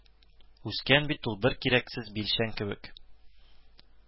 Үскән бит ул бер кирәксез билчән кебек